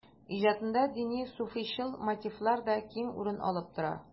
Иҗатында дини-суфыйчыл мотивлар да киң урын алып тора.